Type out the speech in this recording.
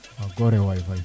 waaw foore waay